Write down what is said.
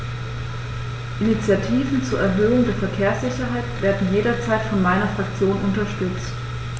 Initiativen zur Erhöhung der Verkehrssicherheit werden jederzeit von meiner Fraktion unterstützt.